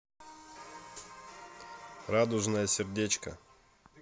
радужное сердечко